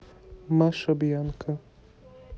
маша бьянка